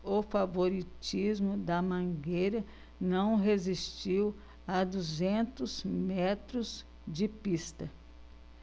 o favoritismo da mangueira não resistiu a duzentos metros de pista